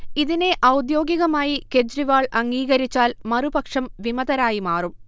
ഇതിനെ ഔദ്യോഗികമായി കെജ്രിവാൾ അംഗീകരിച്ചാൽ മറുപക്ഷം വിമതരായി മാറും